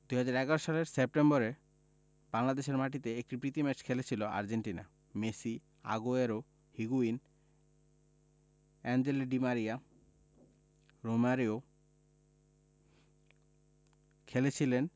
২০১১ সালের সেপ্টেম্বরে বাংলাদেশের মাটিতে একটি প্রীতি ম্যাচ খেলেছিল Argentina Messi Aguero Higuain Angel Di Maria Romero খেলেছিলেন